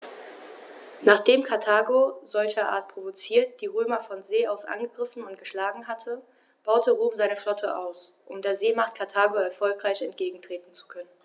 Nachdem Karthago, solcherart provoziert, die Römer von See aus angegriffen und geschlagen hatte, baute Rom seine Flotte aus, um der Seemacht Karthago erfolgreich entgegentreten zu können.